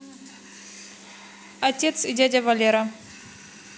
отец и дядя валера